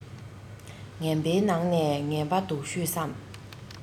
ངན པའི ནང ནས ངན པ སྡུག ཤོས སམ